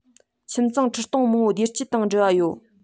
ཁྱིམ ཚང ཁྲི སྟོང མང པོའི བདེ སྐྱིད དང འབྲེལ བ ཡོད